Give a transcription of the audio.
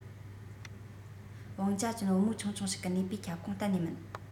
བང ཅ ཅོན བུ མོ ཆུང ཆུང ཞིག གི ནུས པའི ཁྱབ ཁོངས གཏན ནས མིན